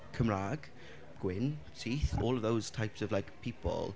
Cymraeg, gwyn, syth all of those types of like people.